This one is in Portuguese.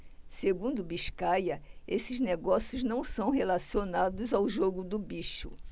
segundo biscaia esses negócios não são relacionados ao jogo do bicho